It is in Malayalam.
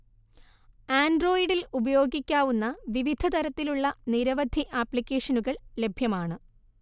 ആൻഡ്രോയ്ഡിൽ ഉപയോഗിക്കാവുന്ന വിവിധതരത്തിലുള്ള നിരവധി ആപ്ലിക്കേഷനുകൾ ലഭ്യമാണ്